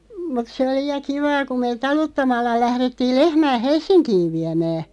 mutta se oli ja kivaa kun me taluttamalla lähdettiin lehmää Helsinkiin viemään